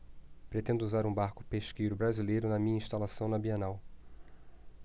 pretendo usar um barco pesqueiro brasileiro na minha instalação na bienal